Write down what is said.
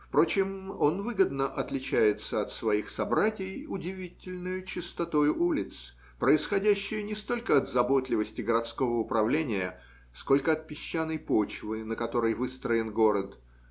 впрочем, он выгодно отличается от своих собратий удивительною чистотою улиц, происходящею не столько от заботливости городского управления, сколько от песчаной почвы, на которой выстроен город